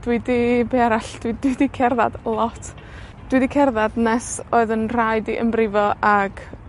Dwi 'di, be' arall? Dwi dwi 'di cerddad lot. Dwi 'di cerddad nes oedd 'yn nhraed i yn brifo, ag